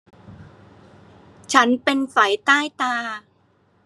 ฉันเป็นไฝใต้ตา